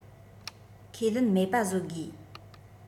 ཁས ལེན མེད པ བཟོས དགོ